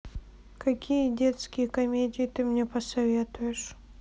какие детские комедии ты мне посоветуешь